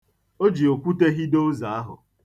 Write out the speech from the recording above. O ji okwute hido ụzọ ahụ.